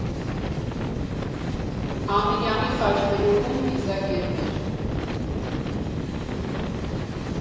Ամիրյանի խաչմերուկում կիզակետն էր։